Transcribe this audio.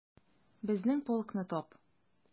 Безнең полкны тап...